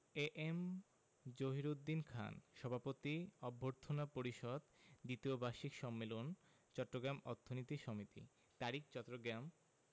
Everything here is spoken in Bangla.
এ এম জহিরুদ্দিন খান সভাপতি অভ্যর্থনা পরিষদ দ্বিতীয় বার্ষিক সম্মেলন চট্টগ্রাম অর্থনীতি সমিতি তারিখ চট্টগ্রাম